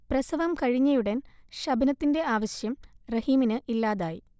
പ്രസവം കഴിഞ്ഞയുടൻ ഷബ്നത്തിന്റെ ആവശ്യം റഹീമിന് ഇല്ലാതായി